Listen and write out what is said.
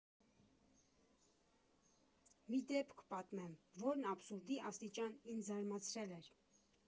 Մի դեպք պատմեմ, որն աբսուրդի աստիճան ինձ զարմացրել էր.